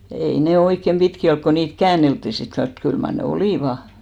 ei ne oikein pitkiä ollut kun niitä käänneltiin sitten kanssa mutta kyllä mar ne olivat